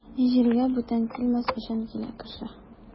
Җиргә бүтән килмәс өчен килә кеше.